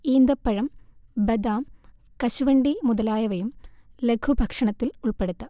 ഈന്തപ്പഴം, ബദാം, കശുവണ്ടി മുതലായവയും ലഘുഭക്ഷണത്തിൽ ഉൾപ്പെടുത്താം